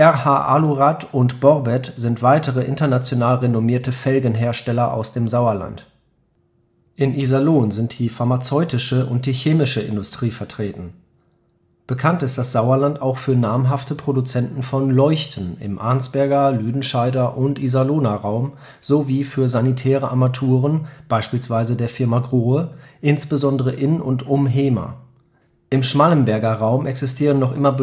RH Alurad und Borbet sind weitere international renommierte Felgenhersteller aus dem Sauerland. In Iserlohn sind die pharmazeutische und die chemische Industrie vertreten. Bekannt ist das Sauerland auch für namhafte Produzenten von Leuchten im Arnsberger, Lüdenscheider und Iserlohner Raum sowie für sanitäre Armaturen (Grohe) insbesondere in und um Hemer. Im Schmallenberger Raum existieren noch immer